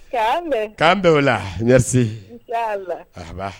K'an bɛ o la ɲɛ se araba